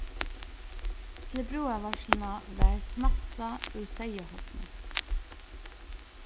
til brúðarveitsluna varð snapsað úr seyðahorni